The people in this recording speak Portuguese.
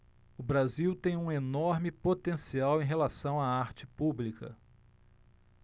o brasil tem um enorme potencial em relação à arte pública